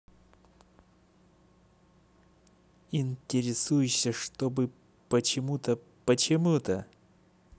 интересуешься чтобы почему то почему то